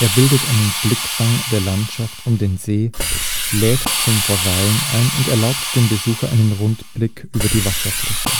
bildet einen Blickfang der Landschaft um den See, lädt zum Verweilen ein und erlaubt dem Besucher einen Rundblick über die Wasserfläche